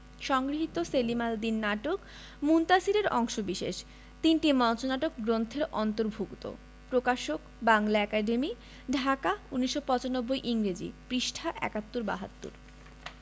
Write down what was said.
সংগৃহীত সেলিম আল দীন নাটক মুনতাসীর এর অংশবিশেষ তিনটি মঞ্চনাটক গ্রন্থের অন্তর্ভুক্ত প্রকাশক বাংলা একাডেমী ঢাকা ১৯৯৫ ইংরেজি পৃঃ ৭১ ৭২